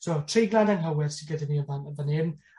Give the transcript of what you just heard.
t'mo' treiglad anghywir sy gyda ni yn fan yn fan hyn